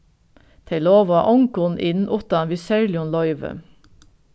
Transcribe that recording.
tey lova ongum inn uttan við serligum loyvi